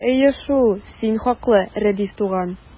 Әйе шул, син хаклы, Рәдиф туган!